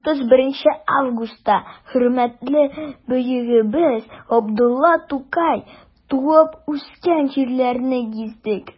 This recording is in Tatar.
31 августта хөрмәтле бөегебез габдулла тукай туып үскән җирләрне гиздек.